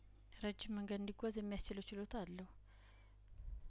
ረጅም መንገድ እንዲ ጓዝ የሚያስችለው ችሎታ አለው